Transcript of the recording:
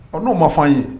Ɔ n'o ma fɔ ye